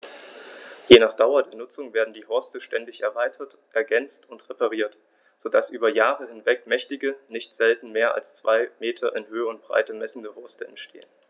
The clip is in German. Je nach Dauer der Nutzung werden die Horste ständig erweitert, ergänzt und repariert, so dass über Jahre hinweg mächtige, nicht selten mehr als zwei Meter in Höhe und Breite messende Horste entstehen.